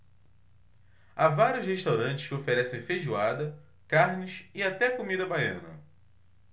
há vários restaurantes que oferecem feijoada carnes e até comida baiana